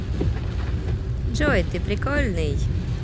джой ты прикольный